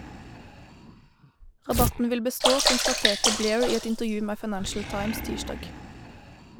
- Rabatten vil bestå, konstaterte Blair i et intervju med Financial Times tirsdag.